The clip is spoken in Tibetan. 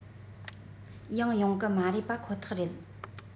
ཡང ཡོང གི མ རེད པ ཁོ ཐག རེད